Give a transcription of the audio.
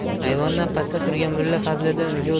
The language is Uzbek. ayvondan pastda turgan mulla fazliddin unga